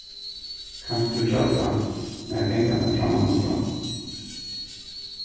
kanst tú gjalda mær pengarnar frammanundan